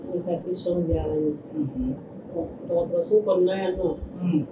N ka ki sɔn diyara ye kɔnɔnaya nɔ